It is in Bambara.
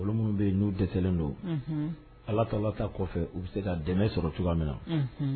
Olo minnu bɛ yen n'u delen don ala ka ala taa kɔfɛ u bɛ se ka dɛmɛ sɔrɔ cogoya min na